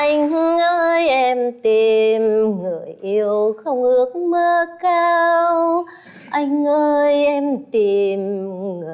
anh ơi em tìm người yêu không ước mơ cao anh ơi em tìm người